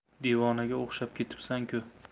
devonaga o'xshab ketibsanku